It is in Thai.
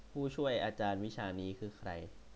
ผู้ช่วยอาจารย์วิชานี้คือใคร